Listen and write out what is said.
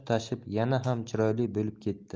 tutashib yana ham chiroyli bo'lib ketdi